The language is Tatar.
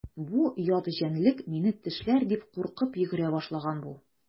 Бу ят җәнлек мине тешләр дип куркып йөгерә башлаган бу.